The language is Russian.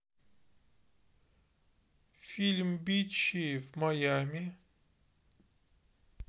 фильм бичи в майями